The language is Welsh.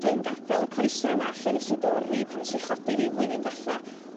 Dwi'n gadel y coese yma lle nes i dorri pan nes i chodi hi flwyddyn dwetha